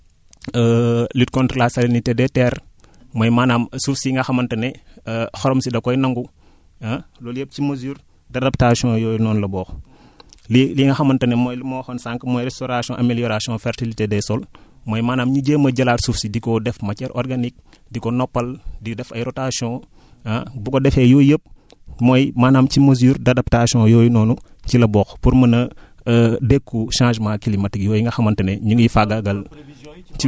lu ñuy wax tamit lutte contre la salinité des terres mooy maanaam suuf si nga xamante ne xorom si dakoy nangu ah loolu yépp si mesure d' adaptation yooyu noonu la bokk li li nga xamante ne mooy li ma waxoon sànq mooy restauration amélioration fertilité des sols mooy maanaam ñu jéem a jëlaat suuf si di ko def matière organique di ko noppal di def ay rotation ah bu ko defee yooyu yépp mooy maanaam ci mesure d'adaptation yooyu noonu ci la bokk pour mën a dékku changement climatique yooyu nga xamante ne ñu ngi